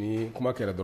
Ni kuma kɛra dɔrɔn